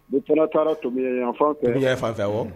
Ne tila taara tunbi yan fantigi fan fɛ wa